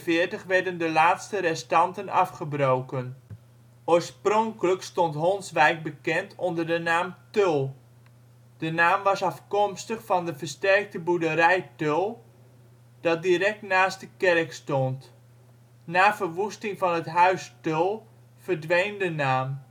1844 werden de laatste restanten afgebroken. Oorspronkelijk stond Honswijk bekend onder de naam Tull. De naam was afkomstig van de versterkte boerderij Tull dat direct naast de kerk stond. Na verwoesting van het huis Tull verdween de naam